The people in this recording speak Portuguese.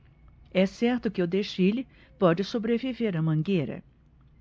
é certo que o desfile pode sobreviver à mangueira